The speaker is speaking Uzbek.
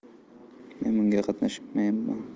men bunga qatnashmyman